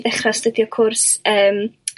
ddechra' astudio cwrs yym